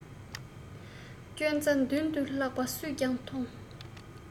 རྐྱེན རྩ མདུན དུ ལྷག པ སུས ཀྱང མཐོང